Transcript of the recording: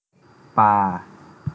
ปา